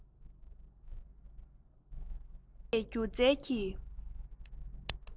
ཐུན མོང མིན པའི ཁྱད ཆོས